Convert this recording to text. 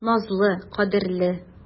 Назлы, кадерле.